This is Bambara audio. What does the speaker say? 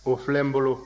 o filɛ n bolo